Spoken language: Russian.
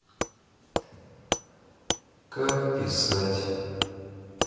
как писать